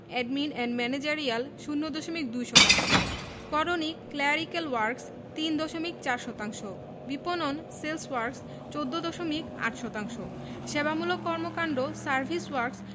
admin and managerial ০ দশমিক ২ শতাংশ করণিক ক্ল্যারিক্যাল ওয়ার্ক্স ৩ দশমিক ৪ শতাংশ বিপণন সেলস ওয়ার্ক্স ১৪দশমিক ৮ শতাংশ সেবামূলক কর্মকান্ড সার্ভিস ওয়ার্ক্স